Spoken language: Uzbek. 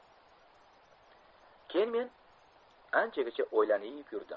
keyin men anchagacha o'ylanib yurdim